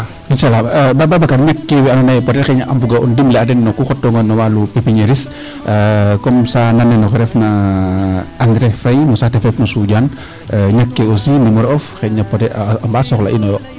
insaala Bab Babacar ndiiki we andoona yee peut etre xeuyna a mbuga o ndimle'a den no ku xottoonga no walum pépinieriste a comme ca nand nen oxe refna Andrés Faye no saate fe refna o Soundiane ñak kee aussi numero of a mba soxla'inooyo